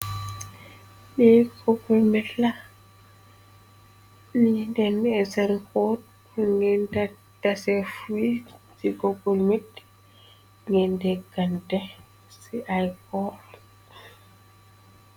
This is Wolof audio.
De koko mela nindenesalkot nge tasefui ci kogol mit nge degkante ci ipo.